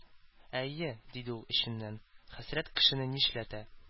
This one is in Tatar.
«әйе,— диде ул эченнән,—хәсрәт кешене нишләтә!»